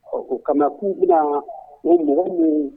Ɔ o kama k'u bɛna ni mɔgɔ min